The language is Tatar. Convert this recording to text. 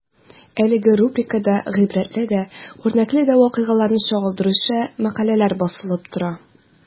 Әлеге рубрикада гыйбрәтле дә, үрнәкле дә вакыйгаларны чагылдыручы мәкаләләр басылып тора.